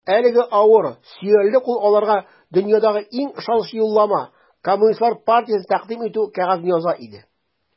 Әлеге авыр, сөялле кул аларга дөньядагы иң ышанычлы юллама - Коммунистлар партиясенә тәкъдим итү кәгазен яза иде.